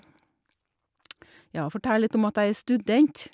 Ja, fortelle litt om at jeg er student.